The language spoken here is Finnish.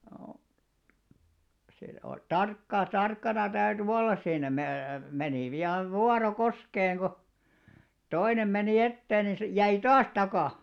- se oli tarkkaa tarkkana täytyi olla siinä - meni pian vuoro koskeen kun toinen meni eteen niin se jäi taas taakse